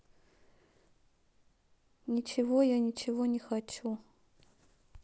ничего я ничего не хочу